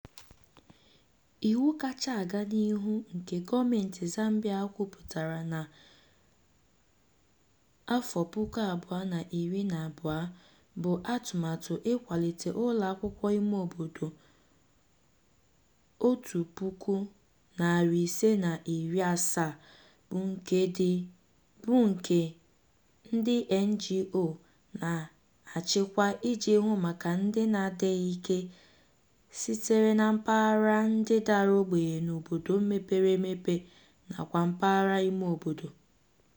Iwu kacha aga n'ihu nke gọọmentị Zambia kwupụtara na 2012 bụ atụmatụ ịkwalite ụlọakwụkwọ imeobodo 1,570 bụ nke ndị NGO na-achịkwa iji hụ maka ndị na-adịghị ike sitere na mpaghara ndị dara ogbenye n'obodo mepere emepe nakwa mpaghara imeobodo.